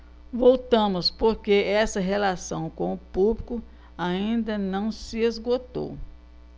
voltamos porque essa relação com o público ainda não se esgotou